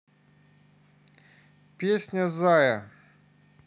песня зая